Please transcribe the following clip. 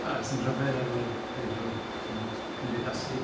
wel, 'sdim rhyfedd ar ôl peido, timod, cymdeithasu.